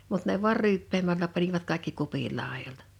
mutta ne vain ryyppäämällä panivat kaikki kupin laidoilta